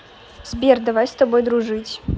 сбер давай с тобой дружить